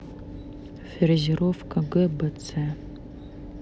фрезеровка гбц